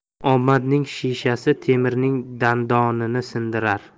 omadning shishasi temirchining dandonini sindirar